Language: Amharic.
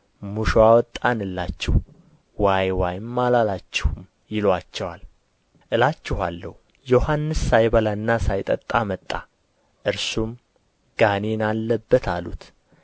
ሙሾ አወጣንላችሁ ዋይ ዋይም አላላችሁም ይሉአቸዋል ዮሐንስ ሳይበላና ሳይጠጣ መጣ እነርሱም ጋኔን አለበት አሉት